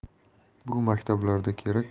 bu maktablarda kerak